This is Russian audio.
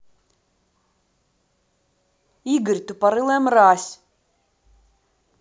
игорь тупорылая мразь